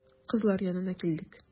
Кызлар янына килдек.